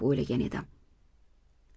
o'ylagan edim